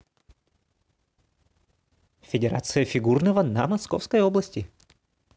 федерация фигурного на московской области